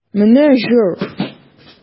Менә җор!